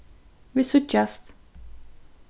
vit síggjast